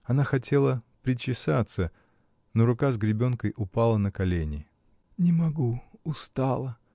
она хотела причесаться, но рука с гребенкой упала на колени. — Не могу, устала!